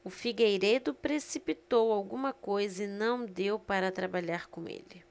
o figueiredo precipitou alguma coisa e não deu para trabalhar com ele